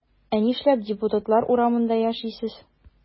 Ә нишләп депутатлар урамында яшисез?